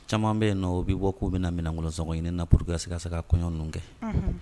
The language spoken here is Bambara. Caman bɛ yenninɔ u bi bɔ k'u bɛna minnankolon sɔngɔn ɲini na pourque ka se ka kɔɲɔn ninnu kɛ. Unhun.